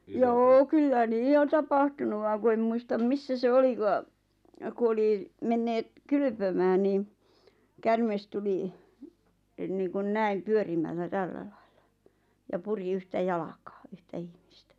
joo kyllä niin on tapahtunut vaan kun en muista missä se olikaan kun oli menneet kylpemään niin käärme tuli - niin kuin näin pyörimällä tällä lailla ja puri yhtä jalkaa yhtä ihmistä